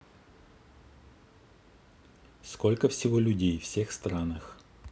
сколько всего людей всех странах